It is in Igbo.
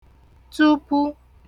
tupu